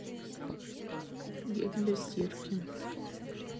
гель для стирки